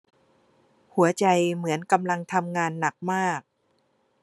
หัวใจเหมือนกำลังทำงานหนักมาก